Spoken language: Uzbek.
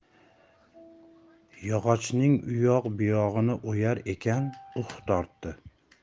yog'ochning uyoq buyog'ini o'yar ekan uh tortdi